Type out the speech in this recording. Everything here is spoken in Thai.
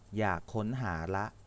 อยากค้นหาละ